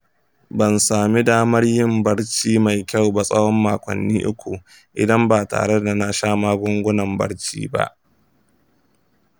ban sami damar yin barci mai kyau ba tsawon makonni uku idan ba tare da na sha magungunan barci ba.